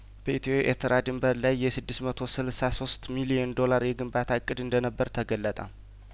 በኢትዮ ኤርትራ ድንበር ላይ የስድስት መቶ ስልሳ ሶስት ሚሊየን ዶላር የግንባታ እቅድ እንደነበር ተገለጠ